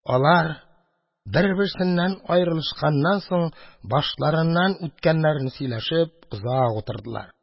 Алар, бер-берсеннән аерылышканнан соң башларыннан үткәннәрне сөйләшеп, озак утырдылар.